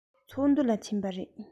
ཚོགས འདུ ལ ཕྱིན པ རེད